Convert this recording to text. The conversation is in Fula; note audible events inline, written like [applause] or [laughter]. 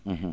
[hesitation] [hesitation]